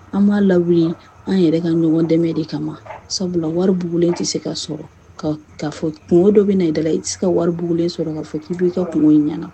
An b'a lawu an yɛrɛ ka ɲɔgɔn dɛmɛ de kama sabula wari bugulen tɛ se k ka sɔrɔ k ka fɔ kungo dɔ bɛ na i dala la i tɛ se ka waribuguugulen sɔrɔ k' fɔ k'i b'i ka kungo in ɲɛna